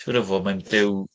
Siŵr o fod mae'n byw.